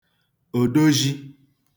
òdozhi